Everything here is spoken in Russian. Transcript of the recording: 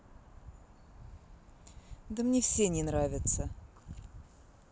да мне все не нравится